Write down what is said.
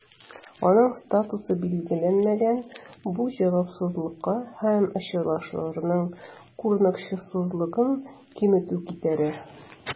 Аның статусы билгеләнмәгән, бу җавапсызлыкка һәм очышларның куркынычсызлыгын кимүгә китерә.